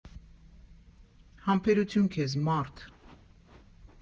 Համբերություն քեզ, մա՛րդ։